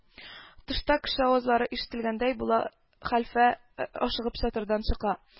Тышта кеше авазлары ишетелгәндәй була, хәлфә ашыгып сатырдан чыга